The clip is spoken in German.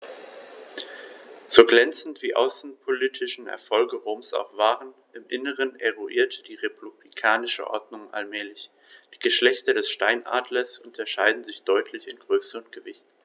So glänzend die außenpolitischen Erfolge Roms auch waren: Im Inneren erodierte die republikanische Ordnung allmählich. Die Geschlechter des Steinadlers unterscheiden sich deutlich in Größe und Gewicht.